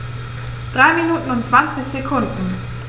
3 Minuten und 20 Sekunden